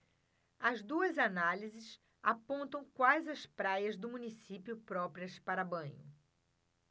as duas análises apontam quais as praias do município próprias para banho